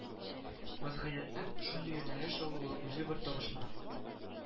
Вәзгыятьнең шундый юнәлеш алуы үзе бер табышмак